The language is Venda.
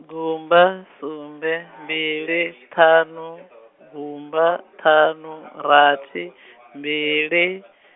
gumba, sumbe , mbili, ṱhanu, gumba, ṱhanu, rathi, mbili .